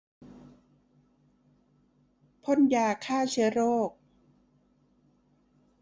พ่นยาฆ่าเชื้อโรค